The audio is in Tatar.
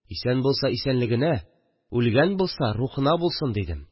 Исән булса – исәнлегенә, үлгән булса – рухына булсын, дидем